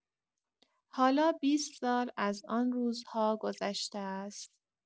حالا بیست سال از آن روزها گذشته است.